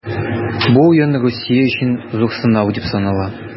Бу уен Русия өчен зур сынау дип санала.